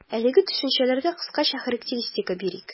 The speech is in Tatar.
Әлеге төшенчәләргә кыскача характеристика бирик.